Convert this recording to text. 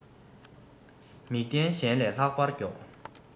མིག ལྡན གཞན ལས ལྷག པར མགྱོགས